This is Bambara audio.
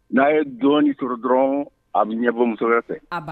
N'a ye dɔnɔni sɔrɔ dɔrɔn a bɛ ɲɛbɔ muso fɛ